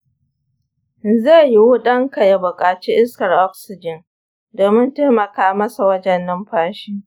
zai yiwu ɗanka ya buƙaci iskar oxygen domin taimaka masa wajen numfashi